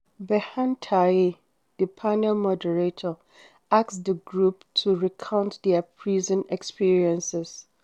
Berhan Taye, the panel moderator, asked the group to recount their prison experiences.